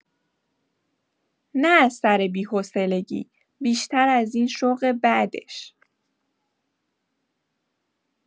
نه از سر بی‌حوصلگی، بیشتر از این شوق بعدش.